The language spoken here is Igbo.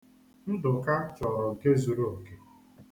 Ndụka chọrọ nke zuru oke